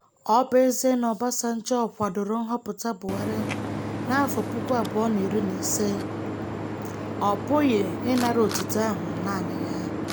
Ọ bụ ezie na Obasanjo kwadoro nhọpụta Buhari na 2015, ọ pụghị ịnara otito ahụ naanị ya.